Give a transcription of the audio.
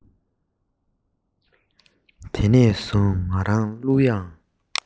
དེ ནས བཟུང ང རང གླུ དབྱངས